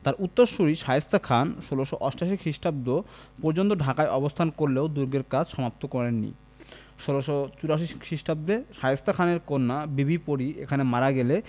তাঁর উত্তরসূরি শায়েস্তা খান ১৬৮৮ খ্রিস্টাব্দ পর্যন্ত ঢাকায় অবস্থান করলেও দুর্গের কাজ সমাপ্ত করেন নি ১৬৮৪ খ্রিস্টাব্দে শায়েস্তা খানের কন্যা বিবি পরী এখানে মারা গেলে